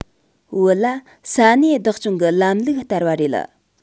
བོད ལ ས གནས བདག སྐྱོང གི ལམ ལུགས བསྟར བ རེད